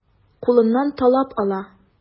Кулыннан талап ала.